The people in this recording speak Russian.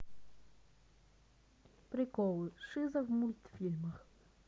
приколы шиза в мультфильмах